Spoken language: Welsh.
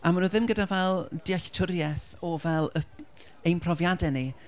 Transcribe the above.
A maen nhw ddim gyda fel, dealltwriaeth o fel y- ein profiadau ni.